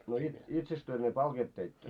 no - itsekös te ne palkeet teitte